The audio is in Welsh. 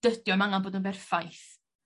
Dydi o'm angan bod yn berffaith.